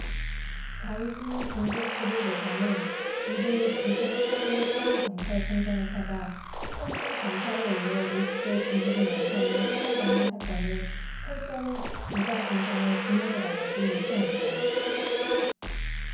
자이쥔 중국 주불대사는 일 일 미셀 카도 파리 경찰청장을 찾아 현지 경찰에 의해 오십 대 중국인 남성이 사살당한 사건을 철저히 조사 진상을 규명해달라고 요청했다